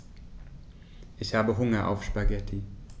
Ich habe Hunger auf Spaghetti.